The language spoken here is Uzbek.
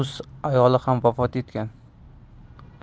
rus ayoli ham vafot etgan